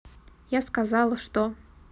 я сказала что